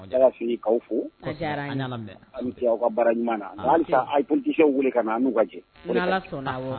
Akaw fo aw ka bara ɲuman napkisɛw wele ka nu ka jɛ